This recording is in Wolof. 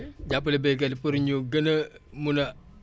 jàppale béykat yi pour ñu gën a mun a